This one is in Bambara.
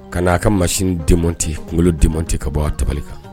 Ka na a ka machine démontée kunkolo domonter ka bɔ ka table kan.